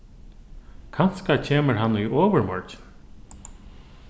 kanska kemur hann í ovurmorgin